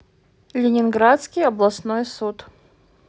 ленинградский областной суд